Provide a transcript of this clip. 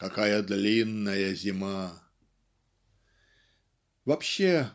какая длинная зима!" Вообще